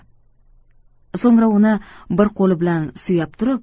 so'ngra uni bir qo'li bilan suyab turib